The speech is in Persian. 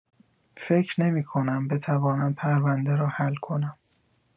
فکر نمی‌کنم بتوانم پرونده را حل کنم.